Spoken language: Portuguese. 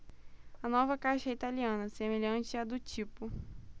a nova caixa é italiana semelhante à do tipo